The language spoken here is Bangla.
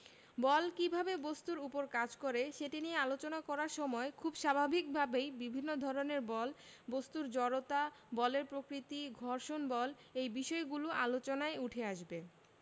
বল কীভাবে বস্তুর উপর কাজ করে সেটি নিয়ে আলোচনা করার সময় খুব স্বাভাবিকভাবেই বিভিন্ন ধরনের বল বস্তুর জড়তা বলের প্রকৃতি ঘর্ষণ বল এই বিষয়গুলোও আলোচনায় উঠে আসবে